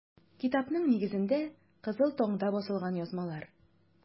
Китапның нигезендә - “Кызыл таң”да басылган язмалар.